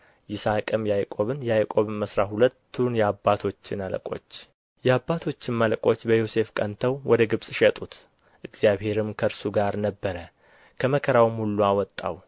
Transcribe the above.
ይስሐቅም ያዕቆብን ያዕቆብም አሥራ ሁለቱን የአባቶችን አለቆች የአባቶችም አለቆች በዮሴፍ ቀንተው ወደ ግብፅ ሸጡት እግዚአብሔርም ከእርሱ ጋር ነበረ ከመከራውም ሁሉ አወጣው